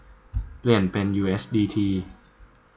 เปลี่ยนเป็นยูเอสดีที